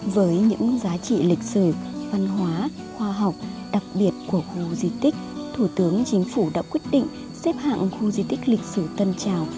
với những giá trị lịch sử văn hóa khoa học đặc biệt của khu di tích thủ tướng chính phủ đã quyết định xếp hạng khu di tích lịch sử tân trào